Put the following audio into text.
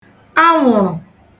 anwụ̀rụ̀